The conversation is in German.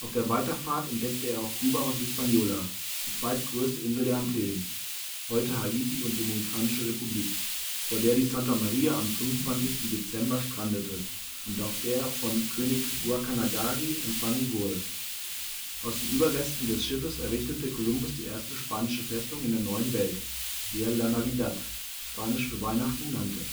der Weiterfahrt entdeckte er auch Kuba und Hispaniola, die zweitgrößte Insel der Antillen (heute Haiti und Dominikanische Republik), vor der die Santa Maria am 25. Dezember strandete und auf der er von König Guacanagari empfangen wurde. Aus den Überresten des Schiffes errichtete Kolumbus die erste spanische Festung in der neuen Welt, die er La Navidad (spanisch für Weihnachten) nannte